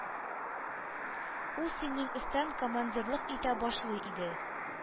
Ул синең өстән командалык итә башлый иде.